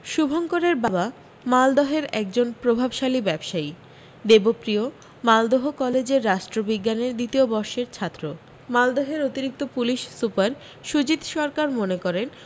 শুভঙ্করের বাবা মালদহের একজন প্রভাবশালী ব্যবসায়ী দেবপ্রিয় মালদহ কলেজের রাষ্ট্রবিজ্ঞানের দ্বিতীয় বর্ষের ছাত্র মালদহের অতিরিক্ত পুলিশ সুপার সুজিত সরকার মনে করেন